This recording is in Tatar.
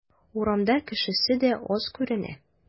Урамда кешесе дә аз күренә.